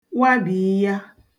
wabìiya